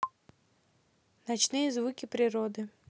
ночные звуки природы